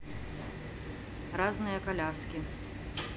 разные коляски